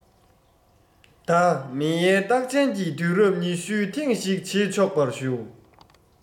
བདག མེལ ཡའི རྟགས ཅན གྱི དུས རབས ཉི ཤུའི ཐེངས ཤིག བྱེད ཆོག པར ཞུ